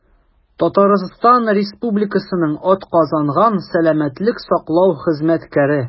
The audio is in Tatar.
«татарстан республикасының атказанган сәламәтлек саклау хезмәткәре»